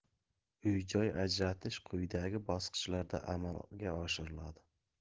uy joy ajratish quyidagi bosqichlarda amalga oshiriladi